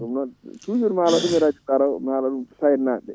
ɗum noon toujours mi haalat ɗum e radio mi haalana ɗum SAED naaɓe ɓe